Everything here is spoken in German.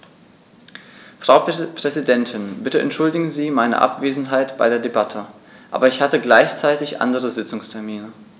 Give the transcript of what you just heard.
Frau Präsidentin, bitte entschuldigen Sie meine Abwesenheit bei der Debatte, aber ich hatte gleichzeitig andere Sitzungstermine.